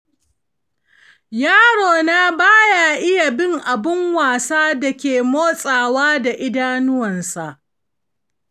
yarona ba ya iya bin abun wasan da ke motsawa da idanunsa.